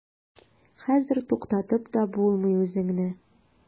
Хәзер туктатып та булмый үзеңне.